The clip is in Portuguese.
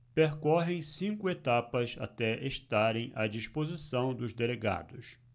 percorrem cinco etapas até estarem à disposição dos delegados